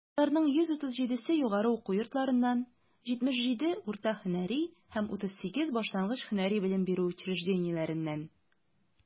Аларның 137 се - югары уку йортларыннан, 77 - урта һөнәри һәм 38 башлангыч һөнәри белем бирү учреждениеләреннән.